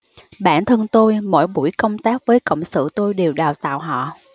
bản thân tôi mỗi buổi công tác với cộng sự tôi đều đào tạo họ